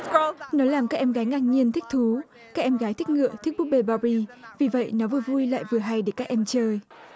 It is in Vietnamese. nếu làm các em gái ngạc nhiên thích thú các em gái thích ngựa thích búp bê ba bi vì vậy nhà vừa vui lại vừa hay được các em chơi